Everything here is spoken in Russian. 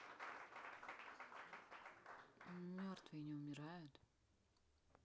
мертвые не умирают